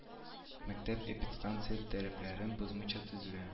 Мәктәп эпидстанция таләпләрен бозмыйча төзелә